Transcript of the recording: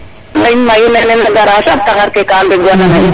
ŋeñ mayu nena gara sax taxar ke ka mbegwa nana in